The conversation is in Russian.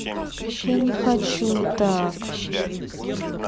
я не хочу так